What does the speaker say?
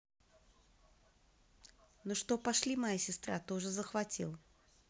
ну что пошли моя сестра тоже захватил